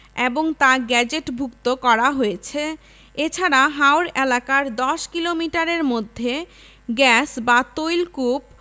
এবং তা গেজেটভুক্ত করা হয়েছে এছাড়া হাওর এলাকার ১০ কিলোমিটারের মধ্যে গ্যাস বা তৈলকূপ